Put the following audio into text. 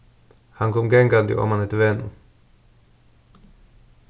hann kom gangandi oman eftir vegnum